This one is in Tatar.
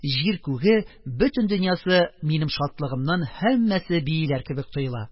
Җир, күге, бөтен дөньясы минем шатлыгымнан һәммәсе бииләр кебек тоела.